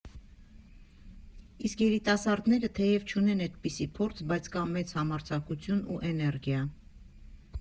Իսկ երիտասարդները թեև չունեն էդպիսի փորձ, բայց կա մեծ համարձակություն ու էներգիա։